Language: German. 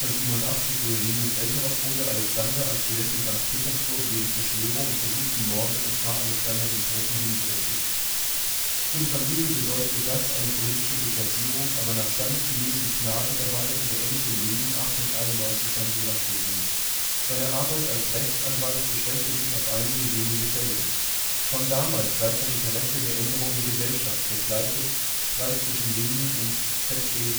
1887 wurde Lenins älterer Bruder Alexander als Student in Sankt Petersburg wegen Verschwörung und versuchten Mordes an Zar Alexander III. hingerichtet. Für die Familie bedeutete das eine politische Deklassierung, aber nach standesgemäßen Gnadenerweisen beendete Lenin 1891 sein Jurastudium. Seine Arbeit als Rechtsanwalt beschränkte sich auf einige, wenige Fälle. Schon damals galt sein Interesse der Änderung der Gesellschaft (vgl. Streit zw. Lenin und z. B. Bernstein